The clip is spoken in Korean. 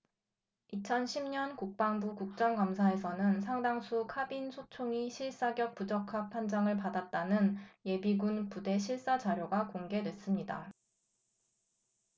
이천 십 년 국방부 국정감사에서는 상당수 카빈 소총이 실사격 부적합 판정을 받았다는 예비군 부대 실사 자료가 공개됐습니다